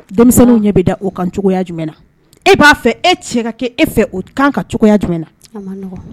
Denmisɛnninw ɲɛ bɛ da o kan cogoya jumɛn e b'a fɛ e cɛ ka kɛ e fɛ kan ka cogoya jumɛn